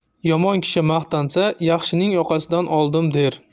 yomon kishi maqtansa yaxshining yoqasidan oldim der